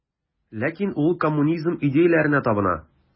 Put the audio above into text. Ләкин ул коммунизм идеяләренә табына.